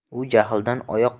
u jahldan oyoq qo'llari